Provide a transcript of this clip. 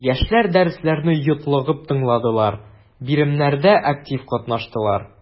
Яшьләр дәресләрне йотлыгып тыңладылар, биремнәрдә актив катнаштылар.